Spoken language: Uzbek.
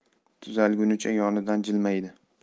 tuzalgunicha yonidan jilmaydi